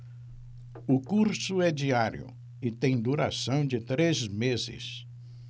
o curso é diário e tem duração de três meses